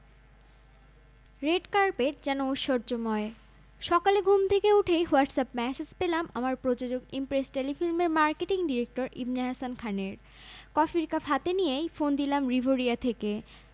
red carpet যেন ঐশ্বর্যময় সকালে ঘুম থেকে উঠেই হোয়াটসঅ্যাপ ম্যাসেজ পেলাম আমার প্রযোজক ইমপ্রেস টেলিফিল্মের মার্কেটিং ডিরেক্টর ইবনে হাসান খানের কফির কাপ হাতেই নিয়ে ফোন দিলাম রিভেরিয়া থেকে